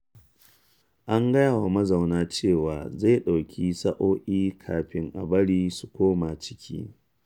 An gaya wa mazaunan cewa zai ɗauki sa’o’i kafin a bari su koma ciki.